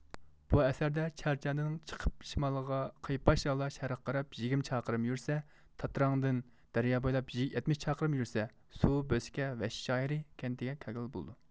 بۇ ئەسەردە چەرچەندىن چىقىپ شىمالغان قىيپاش ھالدا شەرققە قاراپ يىگىرمە چاقىرىم يۈرسە تاتراڭدىن دەريا بويلاپ يەتمىش چاقىرىم يۈرسە سۇ بۆسكە ۋاششەھىرى كەنتىگە كەلگىلى بولىدۇ